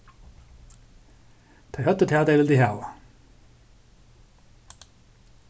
tey høvdu tað tey vildu hava